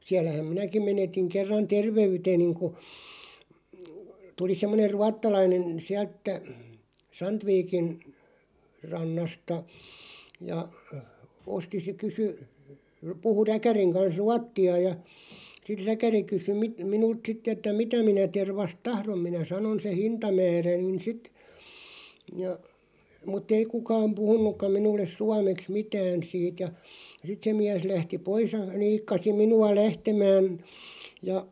siellähän minäkin menetin kerran terveyteni kun tuli semmoinen ruotsalainen - sieltä Sandvikin rannasta ja osti se kysyi puhui räkärin kanssa ruotsia ja sitten räkäri kysyi - minulta sitten että mitä minä tervasta tahdon minä sanoin sen hintamääräni sitten ja mutta ei kukaan puhunutkaan minulle suomeksi mitään siitä ja sitten se mies lähti pois ja niikkasi minua lähtemään ja